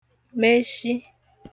meshi